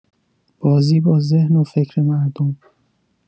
بازی با ذهن و فکر مردم